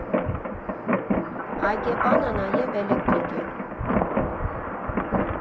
Այգեպանը նաև էլեկտրիկ է։